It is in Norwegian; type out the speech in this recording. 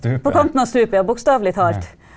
på kanten av stupet ja bokstavelig talt.